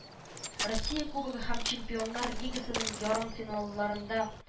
Россия Кубогы һәм Чемпионнар Лигасының ярымфиналларында